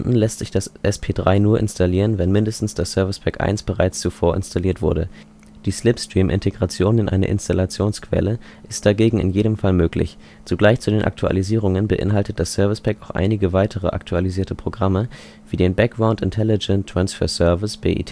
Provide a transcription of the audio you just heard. lässt sich das SP3 nur installieren, wenn mindestens das Service Pack 1 bereits zuvor installiert wurde; die Slipstream-Integration in eine Installationsquelle ist dagegen in jedem Fall möglich. Zusätzlich zu den Aktualisierungen beinhaltet das Service Pack 3 auch einige weitere aktualisierte Programme, wie den Background Intelligent Transfer Service (BITS